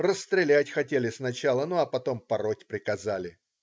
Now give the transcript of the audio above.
Расстрелять хотели сначала, ну а потом пороть приказали".